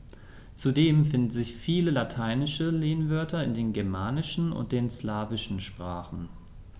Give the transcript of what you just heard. Zudem finden sich viele lateinische Lehnwörter in den germanischen und den slawischen Sprachen.